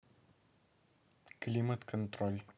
климат контроль